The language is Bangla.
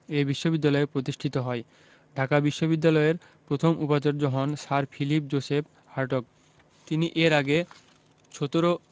এ বিশ্ববিদ্যালয় প্রতিষ্ঠিত হয় ঢাকা বিশ্ববিদ্যালয়ের প্রথম উপাচার্য হন স্যার ফিলিপ জোসেফ হার্টগ তিনি এর আগে ১৭